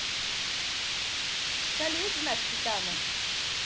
салют знак титана